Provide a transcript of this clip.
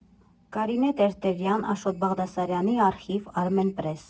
Կարինե Տերտերյան Աշոտ Բաղդասարյանի արխիվ, Արմենպրես։